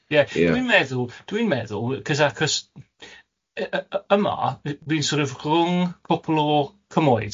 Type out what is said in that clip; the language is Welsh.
Yeah... Ia... Dwi'n meddwl, dwi'n meddwl, y y y yma, d- dwi sor' of dwi rhwng cwpwl o cymoedds